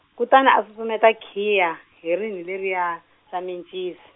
kutani a susumeta khiya, hi rinhi leriya, ra mencisi.